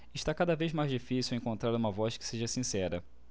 está cada vez mais difícil encontrar uma voz que seja sincera